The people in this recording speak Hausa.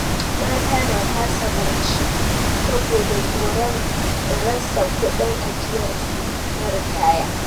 Mata na kasa barci saboda tsoron rasa kudin ajiyarsu na ritaya